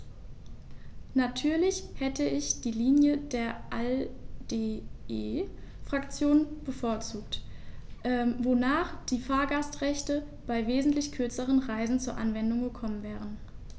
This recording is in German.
Natürlich hätte ich die Linie der ALDE-Fraktion bevorzugt, wonach die Fahrgastrechte bei wesentlich kürzeren Reisen zur Anwendung gekommen wären.